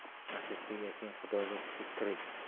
asadbek akang xudoga shukr tirik